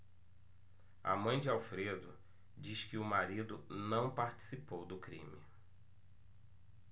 a mãe de alfredo diz que o marido não participou do crime